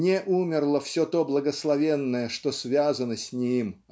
не умерло все то благословенное что связано с ним